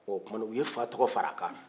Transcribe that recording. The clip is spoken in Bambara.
ɔ o tuma na u ye fa tɔgɔ far'a kan